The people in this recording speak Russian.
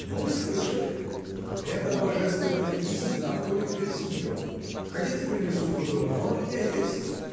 — Ну, слышали: эта божественная истина обходит весь мир. Хотите, принесу Прудона? Он у меня есть.